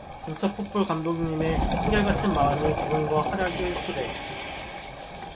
인터풋볼 감독님의 한결 같은 믿음이 적응과 활약의 토대